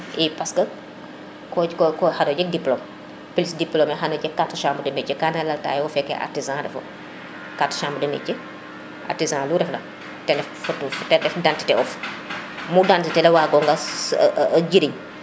i parce que ko xayo jeg diplome plus diplome ne o jeg ka chambre de métier kana laltaye wo feke artisan refe carte chambre de métier artisan lu ref na ten ref datite of mu datite le wago nga jiriñ